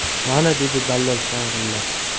mana dedi dallol shang'illab